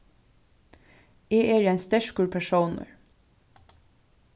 eg eri ein sterkur persónur